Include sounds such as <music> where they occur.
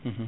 <hesitation> <hesitation>